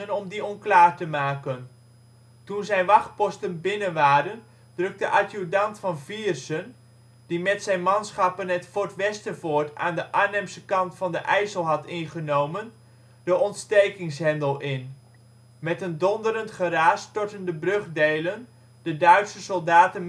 om die onklaar te maken. Toen zijn wachtposten binnen waren, drukt Adjudant Van Viersen, die met zijn manschappen het Fort Westervoort aan de Arnhemse kant van de IJssel had ingenomen, de ontstekingshandle in. Met een donderend geraas storten de brugdelen, de Duitse soldaten